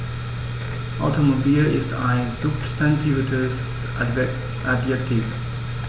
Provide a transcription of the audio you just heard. Automobil ist ein substantiviertes Adjektiv.